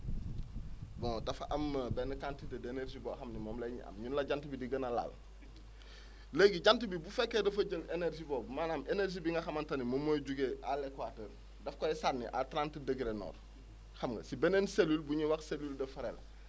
bon dafa am benn quantité d' énergie boo xam ne moom la jant bi di gën a laal léegi jant bi bu fekkee dafa jël énergie boobu maanaam énergie bi nga xamante ne moom mooy juggee à l' Equateur daf koy sànni à trente degré nord xam nga si beneen cellule bu ñuy wax cellule de fréle